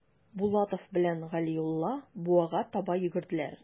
Булатов белән Галиулла буага таба йөгерделәр.